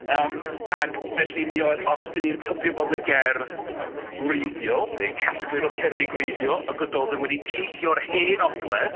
Yym ac felly mi oedd... os dan ni'n tybio bod 'na gerdd wreiddiol, neu casgliad o gerddi gwreiddiol y Gododdin Wedi teithio o'r Hen Ogledd.